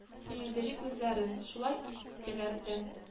Сөендерик үзләрен. шулай иттеләр дә